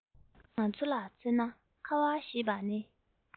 ང ཚོ ལ མཚོན ན ཁ བ ཞེས པ ནི